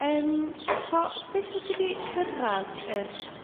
Yym so sut wti 'di cyrradd yr